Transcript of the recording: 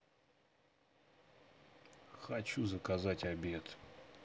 хочу заказать обед